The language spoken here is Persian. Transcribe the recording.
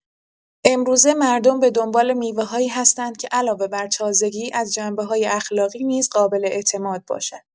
امروزه مردم به دنبال میوه‌هایی هستند که علاوه بر تازگی، از جنبه‌های اخلاقی نیز قابل‌اعتماد باشند.